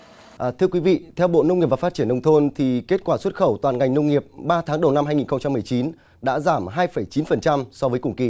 ờ thưa quý vị theo bộ nông nghiệp và phát triển nông thôn thì kết quả xuất khẩu toàn ngành nông nghiệp ba tháng đầu năm hai nghìn không trăm mười chín đã giảm hai phẩy chín phần trăm so với cùng kỳ